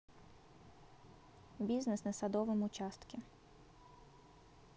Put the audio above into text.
бизнес на садовом участке